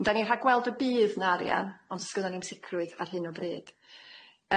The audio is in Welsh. Yym dan ni'n rhagweld y bydd na arian ond sgynnon ni'm sicrwydd ar hyn o bryd.